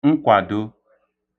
nkwàdo